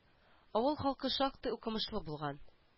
Авыл халкы шактый укымышлы булган